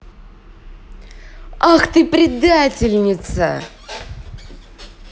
ах ты предательница